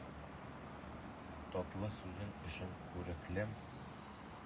Татлы сүзең өчен, күреклем!